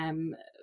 yym